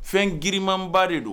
Fɛnimanba de don